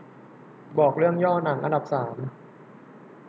บอกเรื่องย่อหนังอันดับสาม